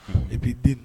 I b'i den